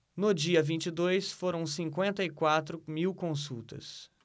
no dia vinte e dois foram cinquenta e quatro mil consultas